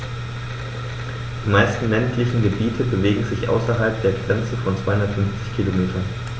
Die meisten ländlichen Gebiete bewegen sich außerhalb der Grenze von 250 Kilometern.